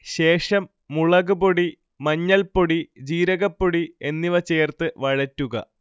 ശേഷം മുളക്പൊടി, മഞ്ഞൾപ്പൊടി, ജീരകപ്പൊടി എന്നിവ ചേർത്ത് വഴറ്റുക